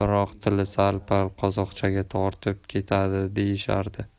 biroq tili sal pal qozoqchaga tortib ketadi deyishardi